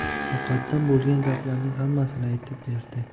muqaddam bo'lgan gaplarning hammasini aytib berdi